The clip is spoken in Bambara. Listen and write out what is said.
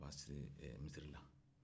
o b'a siri ee misiri la